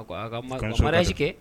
A sigike